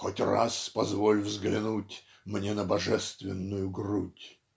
"хоть раз позволь взглянуть мне на божественную грудь"